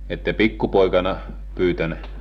ette pikkupoikana pyytänyt